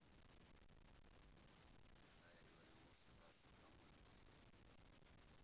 да я говорю лучше ваши помойку выкинуть